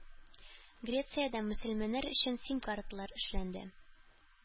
Грециядә мөселманнар өчен СИМ-карталар эшләнде.